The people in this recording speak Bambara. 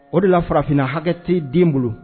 O de la farafinna hakɛ t den bolo